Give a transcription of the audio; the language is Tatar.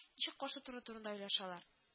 Ничек каршы тору турында уйлашалар